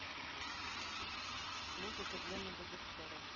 музыка из мадагаскара